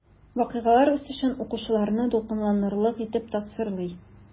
Вакыйгалар үсешен укучыларны дулкынландырырлык итеп тасвирлый.